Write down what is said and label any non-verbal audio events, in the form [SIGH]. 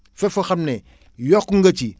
fépp foo xam ne [BREATH] yokk nga ci